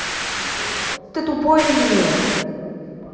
ты тупой или нет